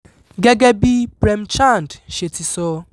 Gẹ́gẹ́ bí Prem Chand ṣe ti sọ: